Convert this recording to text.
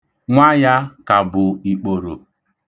Nwa ya ka bụ ikporo.